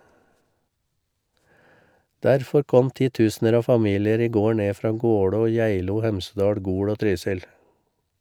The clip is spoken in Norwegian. Derfor kom titusener av familier i går ned fra Gålå, Geilo, Hemsedal, Gol og Trysil.™